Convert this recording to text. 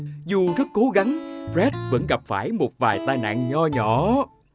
dù rất cố gắng rét vẫn gặp phải một vài tai nạn nho nhỏ